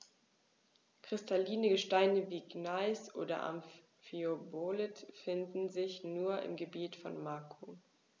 Kristalline Gesteine wie Gneis oder Amphibolit finden sich nur im Gebiet von Macun.